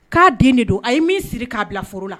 K'a den de don a ye min siri k'a bila foro la